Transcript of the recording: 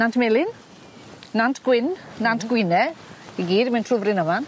Nant Melyn, Nant Gwyn... M-hm. ...Nant Gwyne, i gyd yn mynd trw Bryn Aman.